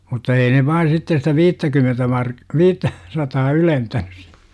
mutta ei ne vain sitten sitä viittäkymmentä - viittä sataa ylentänyt -